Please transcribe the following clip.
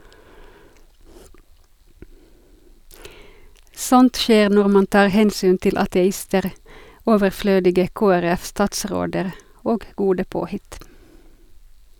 Sånt skjer når man tar hensyn til ateister, overflødige KrF-statsråder og gode påhitt.